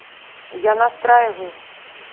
я настраиваю